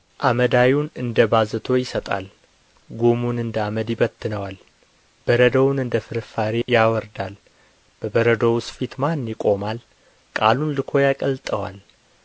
አመዳዩን እንደ ባዘቶ ይሰጣል ጉሙን እንደ አመድ ይበትነዋል በረዶውን እንደ ፍርፋሪ ያወርዳል በበረዶውስ ፊት ማን ይቆማል ቃሉን ልኮ ያቀልጠዋል